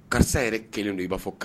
Karisa yɛrɛ kelen don i b'a fɔ kan